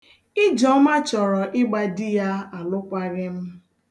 Ijeọma chọrọ ịgba di ya alụkwaghị m.